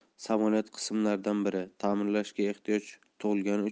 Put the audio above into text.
samolyot qismlaridan biri ta'mirlashga ehtiyoj tug'ilgani